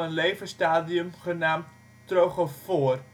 levensstadia genaamd trochophore